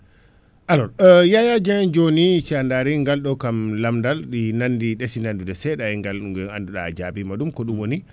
alors Yaya Dieng joni sa daari ngal ɗo kam lamdal ɗi nandi ɗessi nandude seeɗa e ngal a jaabima ɗum ko ɗum woni